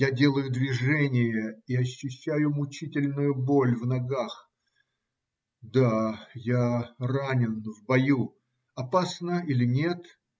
Я делаю движение и ощущаю мучительную боль в ногах. Да, я ранен в бою. Опасно или нет?